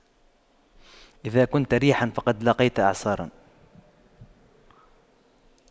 إن كنت ريحا فقد لاقيت إعصارا